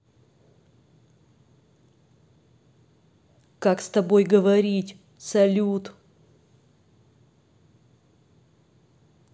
как с тобой говорить салют